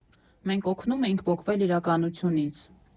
«Մենք օգնում էինք պոկվել իրականությունից»